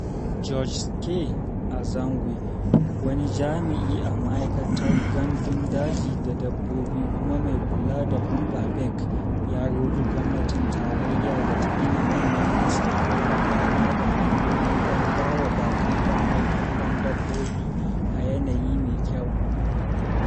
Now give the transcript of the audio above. Georges K. Azangue, wani jami’i a Ma’aikatar Gandun Daji da Dabbobi kuma mai kula da Boumba Bek, ya roƙi gwamnatin tarayya da “ta gina manyan masaukai na kwana da hanyoyi don ba wa baƙi damar kallon dabbobi a yanayi mai kyau.”